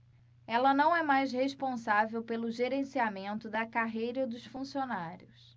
ela não é mais responsável pelo gerenciamento da carreira dos funcionários